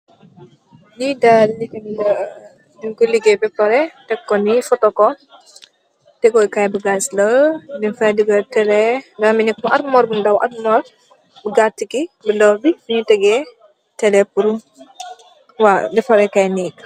Li nyungko ligaye bou parre amb tegekaye bagas la mougui touda armouwar